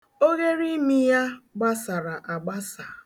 Ogheriimi ya gbasara agbasa.